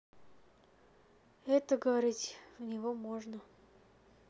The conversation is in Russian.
это говорить в него можно